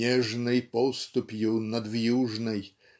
Нежной поступью надвьюжной